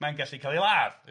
mae'n gallu cael ei ladd.